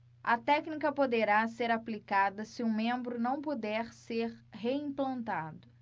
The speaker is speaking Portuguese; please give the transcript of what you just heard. a técnica poderá ser aplicada se o membro não puder ser reimplantado